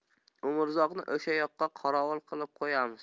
umrzoqni o'sha yoqqa qorovul qilib qo'yamiz